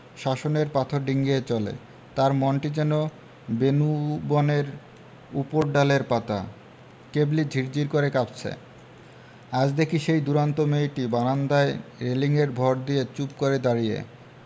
শাসনের পাথর ডিঙ্গিয়ে চলে তার মনটি যেন বেনূবনের উপরডালের পাতা কেবলি ঝির ঝির করে কাঁপছে আজ দেখি সেই দূরন্ত মেয়েটি বারান্দায় রেলিঙে ভর দিয়ে চুপ করে দাঁড়িয়ে